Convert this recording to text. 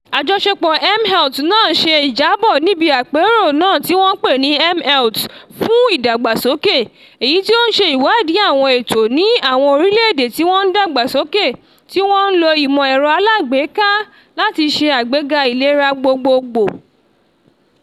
Àjọṣepọ̀ mHealth náà ṣe ìjábọ̀ níbi àpérò náà tí wọ́n pè ní mHealth fún Ìdàgbàsókè, èyí tí ó ń ṣe ìwádìí àwọn ètò ní àwọn orílẹ̀ èdè tí wọ́n ń dàgbà sókè tí wọ́n ń lo ìmọ̀ ẹ̀rọ alágbèéká láti ṣe àgbéga ìlera gbogbogbò.